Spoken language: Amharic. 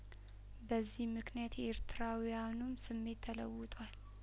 በዚህ ምክንያት የኤርትራውያኑም ስሜት ተለውጧል